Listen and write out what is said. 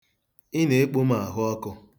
Ị na-ekpo m ahụ ọkụ.